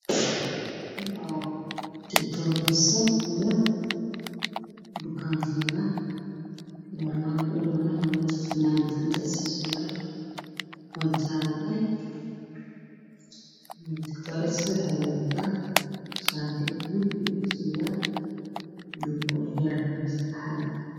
Waa dhakhtarad iyo bukaankeeda